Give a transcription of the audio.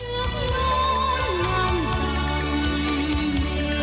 nước non ngàn dặm mình